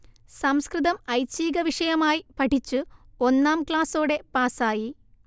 സംസ്കൃതം ഐച്ഛികവിഷയമായി പഠിച്ചു ഒന്നാം ക്ലാസ്സോടെ പാസ്സായി